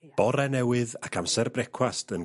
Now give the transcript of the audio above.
Bore newydd ac amser brecwast yn...